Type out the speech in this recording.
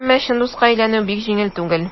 Әмма чын дуска әйләнү бик җиңел түгел.